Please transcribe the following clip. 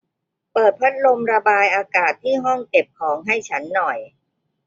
เปิดพัดลมระบายอากาศที่ห้องเก็บของให้ฉันหน่อย